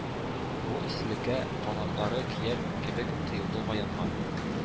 Бу эсселеккә канатлары көяр кебек тоелды Гаянга.